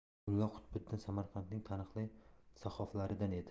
mulla qutbiddin samarqandning taniqli sahhoflaridan edi